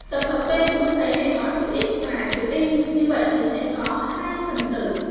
tập hợp b chúng ta thấy ngày có chữ x và chữ y như vậy thì sẽ có hai phần tử